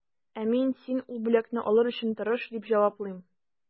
Ә мин, син ул бүләкне алыр өчен тырыш, дип җаваплыйм.